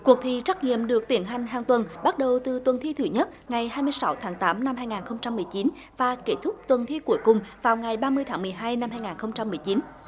cuộc thi trắc nghiệm được tiến hành hàng tuần bắt đầu từ tuần thi thứ nhất ngày hai mươi sáu tháng tám năm hai ngàn không trăm mười chín và kết thúc tuần thi cuối cùng vào ngày ba mươi tháng mười hai năm hai ngàn không trăm mười chín